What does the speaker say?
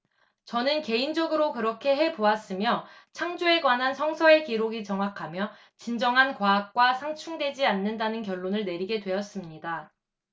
저는 개인적으로 그렇게 해 보았으며 창조에 관한 성서의 기록이 정확하며 진정한 과학과 상충되지 않는다는 결론을 내리게 되었습니다